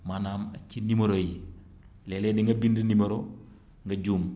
maanaam ci numéros yi léeg-léeg ni nga bind numéro nga juum